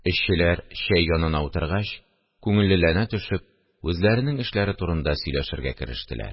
Эшчеләр, чәй янына утыргач, күңеллеләнә төшеп, үзләренең эшләре турында сөйләшергә керештеләр